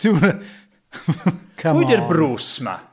Pwy 'di'r Bruce 'ma?